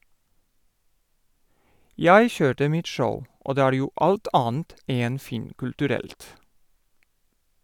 - Jeg kjørte mitt show, og det er jo alt annet enn finkulturelt.